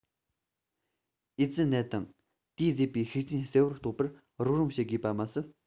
ཨེ ཙི ནད དང དེས བཟོས པའི ཤུགས རྐྱེན གསལ བོར རྟོགས པར རོགས རམ བྱེད དགོས པ མ ཟད